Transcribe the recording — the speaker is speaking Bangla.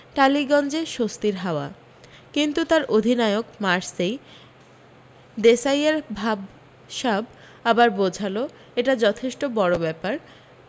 টালিগঞ্জে স্বস্তির হাওয়া কিন্তু তার অধিনায়ক মার্সেই দেসাইয়ির ভাবসাব আবার বোঝাল এটা যথেষ্ট বড় ব্যাপার